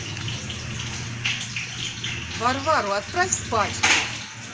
варвару отправь спать